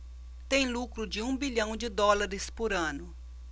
tem lucro de um bilhão de dólares por ano